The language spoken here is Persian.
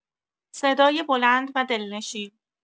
صدای بلند و دلنشین